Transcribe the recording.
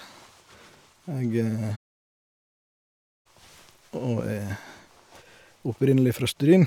Jeg Og er opprinnelig fra Stryn.